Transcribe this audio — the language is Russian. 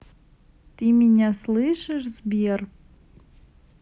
ты меня слышишь сбер